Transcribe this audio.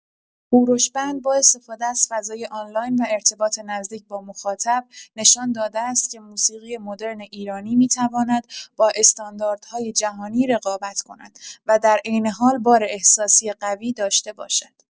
هوروش بند با استفاده از فضای آنلاین و ارتباط نزدیک با مخاطب، نشان داده است که موسیقی مدرن ایرانی می‌تواند با استانداردهای جهانی رقابت کند و در عین حال بار احساسی قوی داشته باشد.